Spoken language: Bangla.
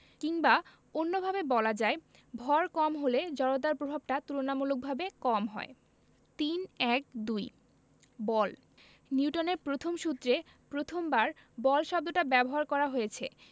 কিংবা অন্যভাবে বলা যায় ভর কম হলে জড়তার প্রভাবটা তুলনামূলকভাবে কম হয় ৩১২ বল নিউটনের প্রথম সূত্রে প্রথমবার বল শব্দটা ব্যবহার করা হয়েছে